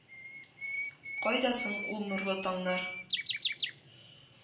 Кайда соң ул нурлы таңнар?